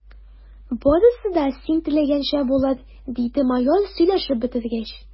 Барысы да син теләгәнчә булыр, – диде майор, сөйләшеп бетергәч.